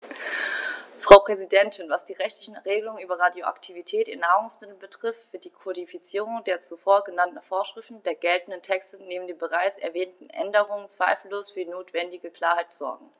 Frau Präsidentin, was die rechtlichen Regelungen über Radioaktivität in Nahrungsmitteln betrifft, wird die Kodifizierung der zuvor genannten Vorschriften der geltenden Texte neben den bereits erwähnten Änderungen zweifellos für die notwendige Klarheit sorgen.